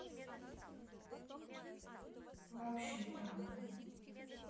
вообще там